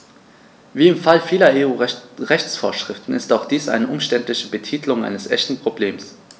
Wie im Fall vieler EU-Rechtsvorschriften ist auch dies eine umständliche Betitelung eines echten Problems.